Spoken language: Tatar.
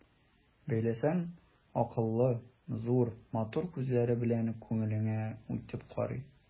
Бәйләсәң, акыллы, зур, матур күзләре белән күңелеңә үтеп карый.